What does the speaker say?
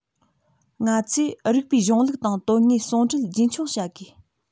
ང ཚོས རིགས པའི གཞུང ལུགས དང དོན དངོས ཟུང འབྲེལ རྒྱུན འཁྱོངས བྱ དགོས